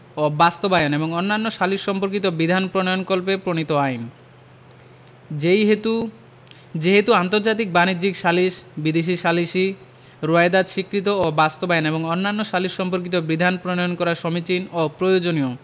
ও বাস্তবায়ন এবং অন্যান্য সালিস সম্পর্কিত বিধান প্রণয়নকল্পে প্রণীত আইন যেইহেতু যেহেতু আন্তর্জাতিক বাণিজ্যিক সালিস বিদেশী সালিসী রোয়েদাদ স্বীকৃত ও বাস্তবায়ন এবং অন্যান্য সালিস সম্পর্কিত বিধান প্রণয়ন করা সমীচীন ও প্রয়োজনীয়